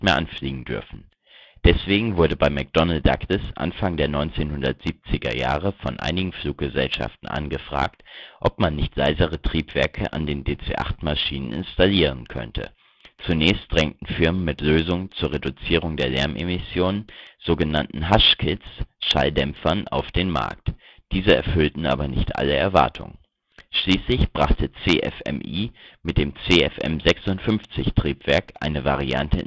anfliegen dürfen. Deswegen wurde bei McDonnell Douglas Anfang der 1970er-Jahre von einigen Fluggesellschaften angefragt, ob man nicht leisere Triebwerke an den DC-8-Maschinen installieren könnte. Zunächst drängten Firmen mit Lösungen zur Reduzierung der Lärmemissionen, so genannten Hushkits (Schalldämpfer), auf den Markt, diese erfüllten aber nicht alle Erwartungen. Schließlich brachte CFMI mit dem CFM56-Triebwerk eine Variante